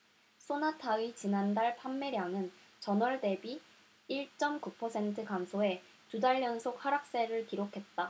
쏘나타의 지난달 판매량은 전월 대비 일 쩜 구 퍼센트 감소해 두 달 연속 하락세를 기록했다